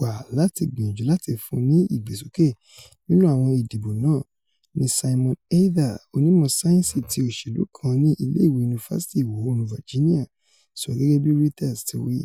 wá láti gbìyànjú láti fún un ní ìgbésókè nínú àwọn ìdìbò náà,'' ni Simon Haeder, onímọ̀ sáyẹ́ǹsì ti òṣèlú kan ní ilé ìwé Yunifasiti Ìwọ-oòrùn Virginia sọ gẹ́gẹ́bí Reuters ti wí.